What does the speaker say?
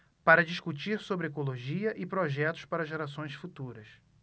para discutir sobre ecologia e projetos para gerações futuras